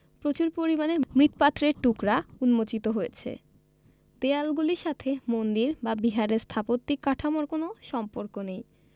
প্রচুর পরিমাণ মৃৎপাত্রের টুকরা উন্মোচিত হয়েছে দেয়ালগুলির সাথে মন্দির বা বিহারের স্থাপত্যিক কাঠামোর কোন সম্পর্ক নেই